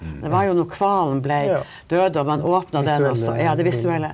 det var jo når kvalen blei døde og man åpna den også ja det visuelle.